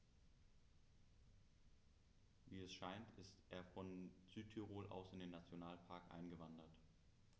Wie es scheint, ist er von Südtirol aus in den Nationalpark eingewandert.